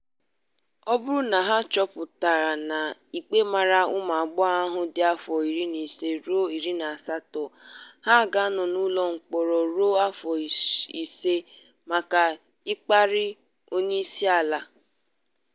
Ọ bụrụ na ha chọpụta na ikpe mara ụmụagbọghọ ahụ dị afọ 15 ruo 17, ha ga-anọ n'ụlọ mkpọrọ ruo afọ ise maka ịkparị onyeisiala.